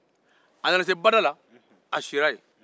a nana se bada la a sira yen